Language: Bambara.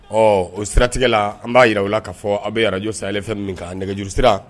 Ɔ o siratigɛ la an b'a yi k kaa fɔ aw bɛ araj sa fɛ min kan nɛgɛjuru sira